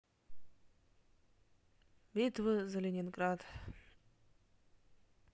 битва за ленинград